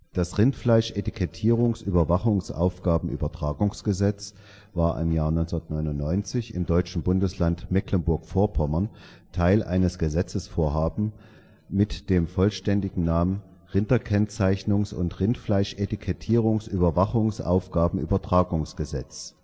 Das Rindfleischetikettierungsüberwachungsaufgabenübertragungsgesetz (RflEttÜAÜG) war im Jahr 1999 im deutschen Bundesland Mecklenburg-Vorpommern Teil eines Gesetzesvorhabens mit dem vollständigen Namen Rinderkennzeichnungs - und Rindfleischetikettierungsüberwachungsaufgabenübertragungsgesetz